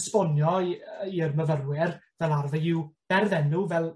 esbonio i yy i'r myfyrwyr fel arfer yw berfenw fel,